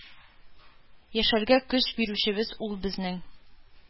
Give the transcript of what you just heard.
Яшәргә көч бирүчебез ул безнең,